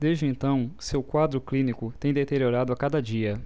desde então seu quadro clínico tem deteriorado a cada dia